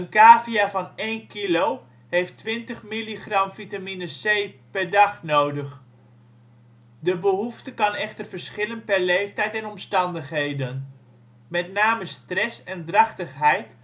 cavia van 1 kilo heeft 20 mg vitamine C per dag nodig. De behoefte kan echter verschillen per leeftijd en omstandigheden. Met name stress en drachtigheid